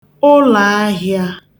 ụlọ̀ahị̄ā